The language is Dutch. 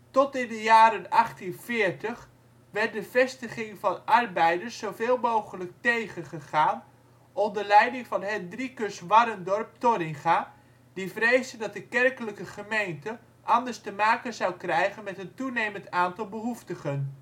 Tot in de jaren 1840 werd de vestiging van arbeiders zo veel mogelijk tegengegaan onder leiding van Hendrikus Warrendorp Torringa, die vreesde dat de kerkelijke gemeente anders te maken zou krijgen met een toenemend aantal behoeftigen